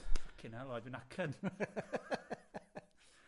'kin 'ell o fi'n knackered.